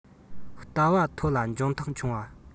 ལྟ བ མཐོ ལ འཇོན ཐང ཆུང བ